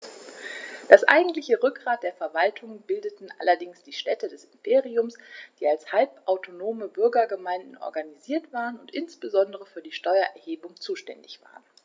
Das eigentliche Rückgrat der Verwaltung bildeten allerdings die Städte des Imperiums, die als halbautonome Bürgergemeinden organisiert waren und insbesondere für die Steuererhebung zuständig waren.